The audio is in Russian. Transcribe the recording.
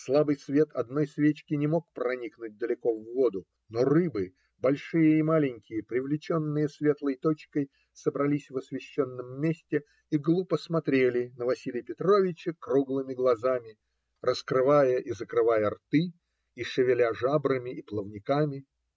Слабый свет одной свечки не мог проникнуть далеко в воду, но рыбы, большие и маленькие, привлеченные светлой точкой, собрались в освещенном месте и глупо смотрели на Василия Петровича круглыми глазами, раскрывая и закрывая рты и шевеля жабрами и плавниками.